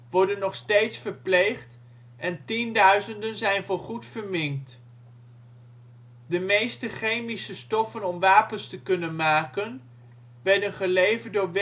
worden nog steeds verpleegd en tienduizenden zijn voorgoed verminkt. [bron?] De meeste chemische stoffen om wapens te kunnen maken, werden geleverd door